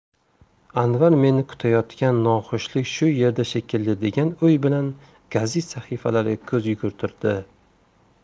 anvar meni kutayotgan noxushlik shu yerda shekilli degan o'y bilan gazit sahifalariga ko'z yugurtirdi